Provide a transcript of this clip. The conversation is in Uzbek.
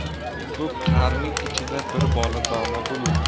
ko'p qarining ichida bir bola dono bo'lur